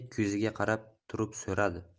ko'ziga qarab turib so'radi